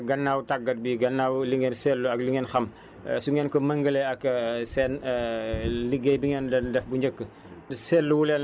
problème la waaye gannaaw tàggat bi gannaaw li ngeen seetlu ak li ngeen xam su ngeen ko méngalee ak seen liggéey bi ngeen doon def bu njëkk